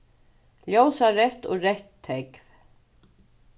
ljósareytt og reytt tógv